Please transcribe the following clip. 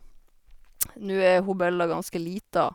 Nå er hun Bella ganske lita.